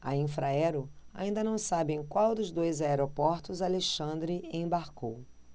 a infraero ainda não sabe em qual dos dois aeroportos alexandre embarcou